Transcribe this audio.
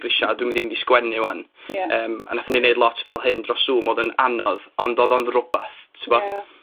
grisia, a dwi' mynd i mynd i sgwennu 'wan. Ie. Yym, a nathon ni neud lot fel hyn dros Zoom odd yn anodd, ond odd o'n rwbath. T'bo'? Ie.